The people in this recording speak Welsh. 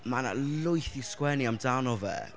Mae 'na lwyth i sgwennu amdano fe.